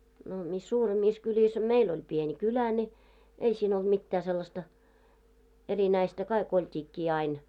no missä suuremissa kylissä a meillä oli pieni kylä niin ei siinä ollut mitään sellaista erinäistä kaikki oltiinkin aina